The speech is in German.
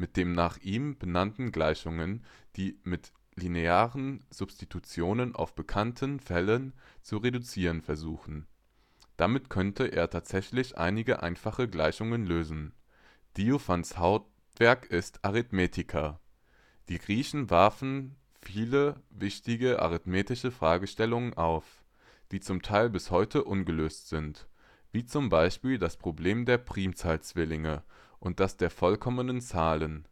den nach ihm benannten Gleichungen, die er mit linearen Substitutionen auf bekannte Fälle zu reduzieren versuchte. Damit konnte er tatsächlich einige einfache Gleichungen lösen. Diophants Hauptwerk ist die Arithmetica. Die Griechen warfen viele wichtige arithmetische Fragestellungen auf, die zum Teil bis heute ungelöst sind (wie z. B. das Problem der Primzahlzwillinge und das der vollkommenen Zahlen